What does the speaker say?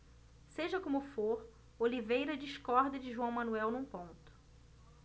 seja como for oliveira discorda de joão manuel num ponto